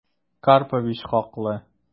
Карпович хаклы...